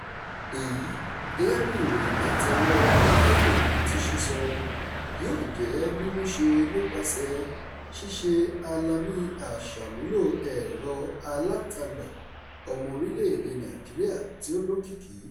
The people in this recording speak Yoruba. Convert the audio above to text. Èyí, gẹ́gẹ́ bí ìròyìn láti ọwọ́ọ Cable ti ṣe sọ, yóò jẹ́ mímú ṣẹ nípasẹ̀ ṣíṣe alamí aṣàmúlò ẹ̀rọ-alátagbà "ọmọ orílẹ̀-èdè Nàìjíríà tí ó lókìkí".